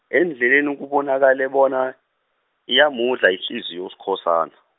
endleleni kubonakale bona, iyamudla ihliziyo Uskhosana.